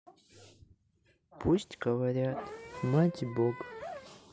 пусть говорят мать бог